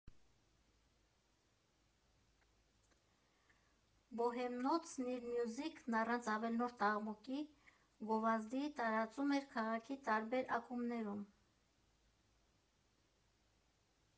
Բոհեմնոցն իր մյուզիքն առանց ավելորդ աղմուկի, գովազդի տարածում էր քաղաքի տարբեր ակումբներում։